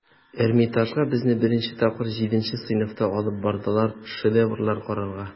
Эрмитажга безне беренче тапкыр җиденче сыйныфта алып бардылар, шедеврлар карарга.